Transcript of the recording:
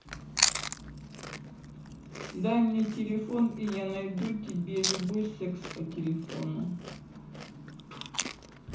дай мне телефон я найду тебя любой секс по телефону